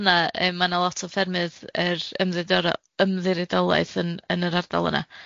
yna yy ma' 'na lot o ffermydd yr ymddidora- ymddiriedolaeth yn yn yr ardal yna.